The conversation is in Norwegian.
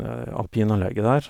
Alpinanlegget der.